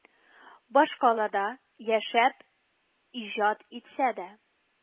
Башкалада яшәп иҗат итсә дә